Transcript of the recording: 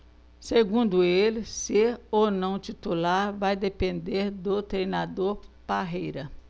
segundo ele ser ou não titular vai depender do treinador parreira